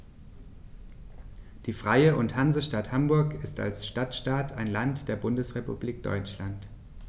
Die Freie und Hansestadt Hamburg ist als Stadtstaat ein Land der Bundesrepublik Deutschland.